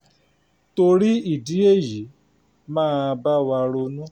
Torí ìdí èyí máa bá wa ronú!